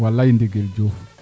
walaay ndigil Diouf